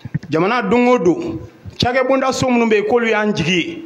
Jamana doŋo don cakɛbonda so minnu bɛ yen k'olu y'an jigi ye